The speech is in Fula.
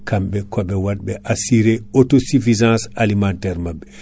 kamɓe koɓe watɓe assurer auto suffisance alimentaire mabɓe